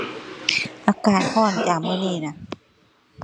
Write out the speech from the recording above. อากาศร้อนจ้ะ มื้อนี้น่ะ